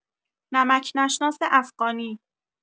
نمک نشناس افغانی